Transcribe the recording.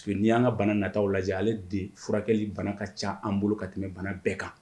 U n' an ka bana nata lajɛ ale de furakɛli bana ka ca an bolo ka tɛmɛ bana bɛɛ kan